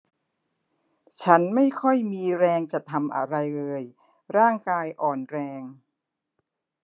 ฉันไม่ค่อยมีแรงจะทำอะไรเลยร่างกายอ่อนแรง